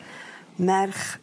... merch...